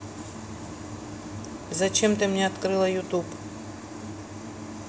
зачем ты мне открыла youtube